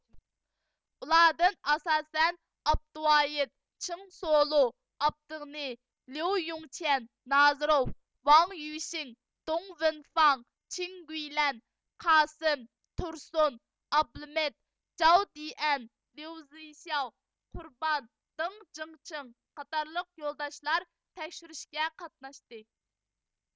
ئۇلاردىن ئاساسەن ئابدۇۋايىت چېڭ سولۇ ئابدىغېنى ليۇيۇڭچيەن نازىروۋ ۋاڭيۈشېڭ دۇڭۋېنفاڭ چېنگۈيلەن قاسىم تۇرسۇن ئابلىمىت جاۋ دېئەن ليۇزىشياۋ قۇربان دېڭجېڭچىڭ قاتارلىق يولداشلار تەكشۈرۈشكە قاتناشتى